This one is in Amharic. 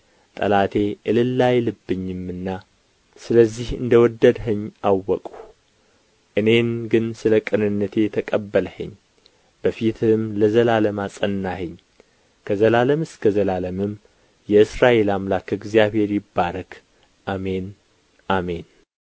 ጠላቴ እልል አይልብኝምና ስለዚህ እንደ ወደድኸኝ አወቅሁ እኔን ግን ስለ ቅንነቴ ተቀበልኸኝ በፊትህም ለዘላለም አጸናኸኝ ከዘላለም እስከ ዘላለም የእስራኤል አምላክ እግዚአሔር ይባረክ አሜን አሜን